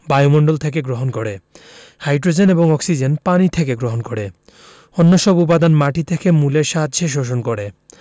বায়ুমণ্ডল থেকে গ্রহণ করে হাই্ড্রোজেন এবং অক্সিজেন পানি থেকে গ্রহণ করে অন্যসব উপাদান মাটি থেকে মূলের সাহায্যে শোষণ করে